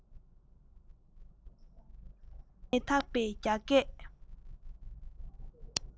སྒྲ མི དག པའི རྒྱ སྐད